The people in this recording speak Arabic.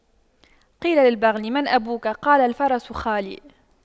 قيل للبغل من أبوك قال الفرس خالي